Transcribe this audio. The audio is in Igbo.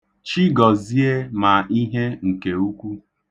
Chigọzie ma ihe nke ukwu.